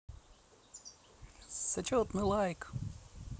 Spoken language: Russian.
зачетный лайк